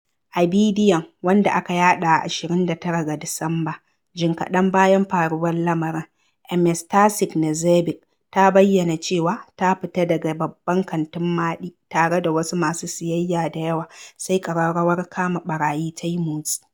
A bidiyon, wanda aka yaɗa a 29 ga Disamba jin kaɗan bayan faruwar lamarin, Ms. Tasic Knezeɓic ta bayyana cewa ta fita daga babban kantin Maɗi tare da wasu masu siyayya da yawa, sai ƙararrawar kama ɓarayi ta yi motsi.